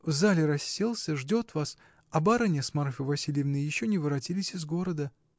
В зале расселся, ждет вас, а барыня с Марфой Васильевной еще не воротились из города.